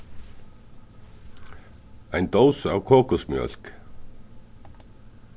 ein dós av kokusmjólk